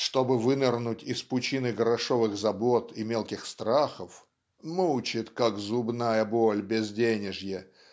"Чтобы вынырнуть из пучины грошовых забот и мелких страхов (мучит как зубная боль безденежье)